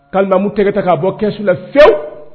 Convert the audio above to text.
Ka lamɔmu tɛgɛta k'a bɔ kɛsola fiwu